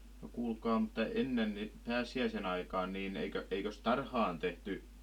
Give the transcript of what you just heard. no kuulkaa mutta ennen niin pääsiäisen aikaan niin - eikös tarhaan tehty